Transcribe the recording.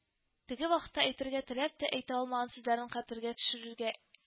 Теге вакытта әйтергә теләп тә әйтә алмаган сүзләрен хәтергә төшерергә